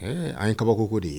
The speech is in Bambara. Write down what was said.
An ye kabakoko de ye